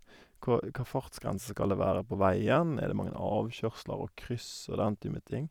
kå Ka fartsgrense skal det være på veien, er det mange avkjørsler og kryss og den type ting.